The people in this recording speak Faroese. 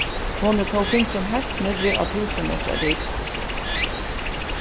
hon er tó fingin heilt niðri á túsund metrar dýpi